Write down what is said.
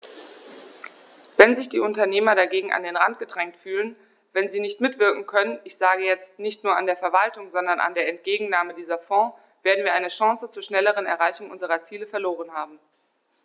Wenn sich die Unternehmer dagegen an den Rand gedrängt fühlen, wenn sie nicht mitwirken können ich sage jetzt, nicht nur an der Verwaltung, sondern an der Entgegennahme dieser Fonds , werden wir eine Chance zur schnelleren Erreichung unserer Ziele verloren haben.